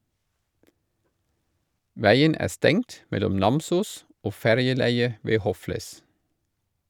- Veien er stengt mellom Namsos og ferjeleiet ved Hofles.